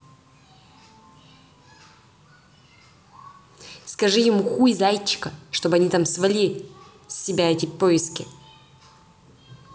скажи ему хуй зайчика чтобы они там свали с себя эти посики